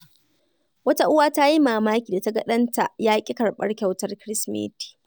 Wata uwa ta yi mamaki da ta ga ɗanta ya ƙi karɓar kyautar Kirsimeti.